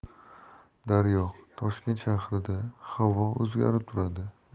daryo toshkent shahrida havo o'zgarib turadi